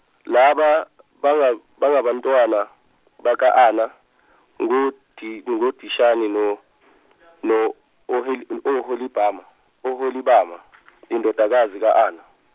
laba banga- bangabantwana baka- Anna ngoDi- ngoDishane no- no- oh Holi- no- Holibama no -Holibama indodakazi ka- Anna.